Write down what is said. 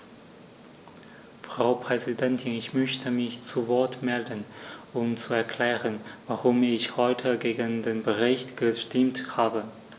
Frau Präsidentin, ich möchte mich zu Wort melden, um zu erklären, warum ich heute gegen den Bericht gestimmt habe.